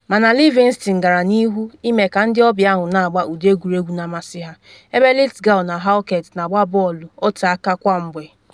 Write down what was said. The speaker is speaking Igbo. Mana Livingston gara n’ihu ime ka ndị ọbịa ahụ na-agba ụdị egwuregwu na-amasị ha, ebe Lithgow na Halkett na-agba bọọlụ ote aka kwa mgbe.